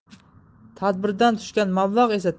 tadbirdan tushgan mablag esa